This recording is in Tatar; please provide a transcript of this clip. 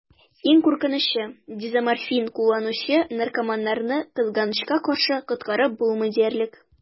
Иң куркынычы: дезоморфин кулланучы наркоманнарны, кызганычка каршы, коткарып булмый диярлек.